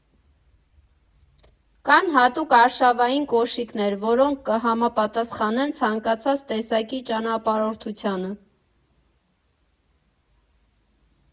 Կան հատուկ արշավային կոշիկներ, որոնք կհամապատասխանեն ցանկացած տեսակի ճանապարհորդությանը։